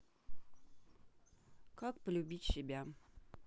как полюбить себя